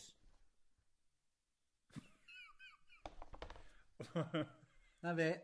'Na fe.